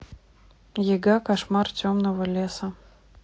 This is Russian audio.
яга кошмар темного леса